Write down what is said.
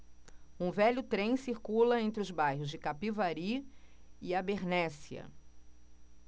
um velho trem circula entre os bairros de capivari e abernéssia